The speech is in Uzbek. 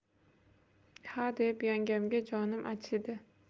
xa deb yangamga jonim achidi